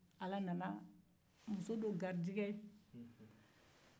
muso nana garijɛgɛ